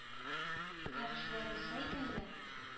Эх шулай булса икән лә